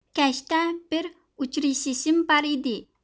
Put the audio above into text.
كەچتە بىر ئۇچرىشىشىم بار ئىدى